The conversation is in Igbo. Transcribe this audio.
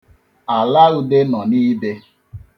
Ala Ude nọ n'ibe.